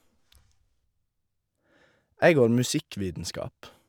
Jeg går musikkvitenskap.